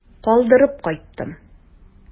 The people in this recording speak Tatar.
Калдырып кайттым.